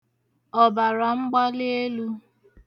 ọ̀bàràmgbalịelū